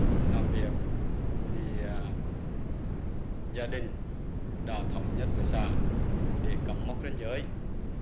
làm việc thì gia đình đã thống nhất với xã để cắm mốc ranh giới